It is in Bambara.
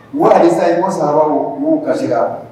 Walisa ko sama'u ka sira